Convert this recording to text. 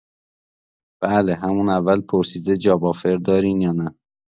بله همون اول پرسیده جاب آفر دارین یا نه.